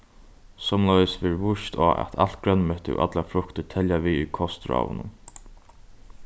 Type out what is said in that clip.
somuleiðis verður víst á at alt grønmeti og allar fruktir telja við í kostráðunum